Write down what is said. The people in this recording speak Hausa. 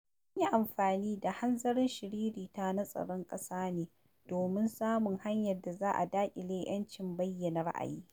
An yi amfani da hanzarin shiririta na "tsaron ƙasa" ne domin a samu hanyar da za a daƙile 'yancin bayyana ra'ayi.